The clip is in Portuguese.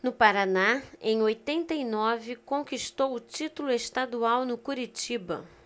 no paraná em oitenta e nove conquistou o título estadual no curitiba